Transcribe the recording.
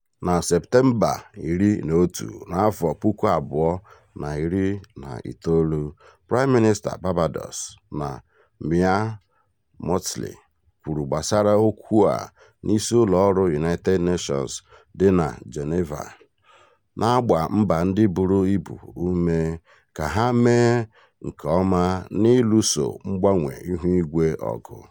Na Septemba 11, 2019, Prime Minister Barbados, Mia Mottley, kwuru gbasara okwu a n'isi ụlọọrụ United Nations dị na Geneva, na-agba mba ndị buru ibu ume ka ha mee nke ọma n'ịlụso mgbanwe ihuigwe ọgụ